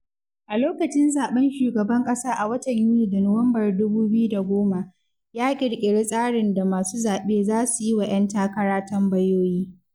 A lokacin zaɓen Shugaban ƙasa a watan Yuni da Nuwambar 2010, ya ƙirƙiri tsarin da masu zaɓe za su yi wa 'yan takara tambayoyi.